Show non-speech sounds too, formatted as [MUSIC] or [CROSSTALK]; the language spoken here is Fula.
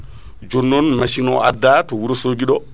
[NOISE] jonnon machine o adda to Wourossogui ɗo